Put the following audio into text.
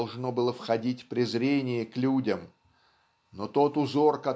должно было входить презрение к людям но тот узор